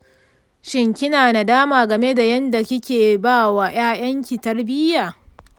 shin kina nadama game da yadda kike ba wa 'ya'yanki tarbiyya?